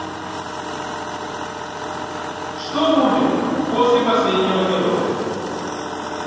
что будет после последнего героя